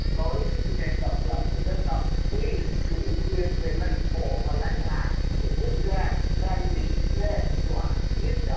đối với nền độc lập dân tộc vì chủ quyền về lãnh thổ và lãnh hải của quốc gia đang bị đe dọa nghiêm trọng